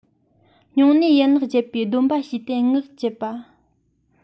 སྨྱུང གནས ཡན ལག བརྒྱད པའི སྡོམ པ ཞུས ཏེ ངག བཅད པ